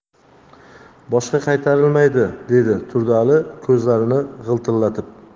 boshqa qaytarilmaydi dedi turdiali ko'zlarini g'iltillatib